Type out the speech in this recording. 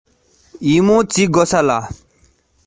ཤོང ཐབས བྲལ བའི མཐོང ཐོས